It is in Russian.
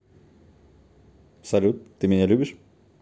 салют ты меня любишь